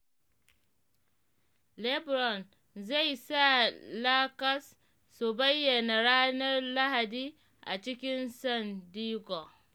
LeBron zai sa Lakers su bayyana ranar Lahdi a cikin San Diego